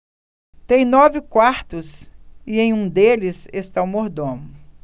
tem nove quartos e em um deles está o mordomo